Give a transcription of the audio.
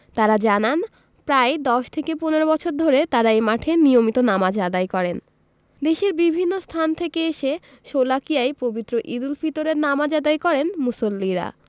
তাঁরা জানান প্রায় ১০ থেকে ১৫ বছর ধরে তাঁরা এ মাঠে নিয়মিত নামাজ আদায় করেন দেশের বিভিন্ন স্থান থেকে এসে শোলাকিয়ায় পবিত্র ঈদুল ফিতরের নামাজ আদায় করেন মুসল্লিরা